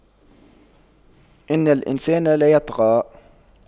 إِنَّ الإِنسَانَ لَيَطغَى